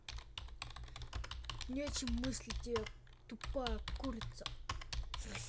нечем мыслить тебе тупая курица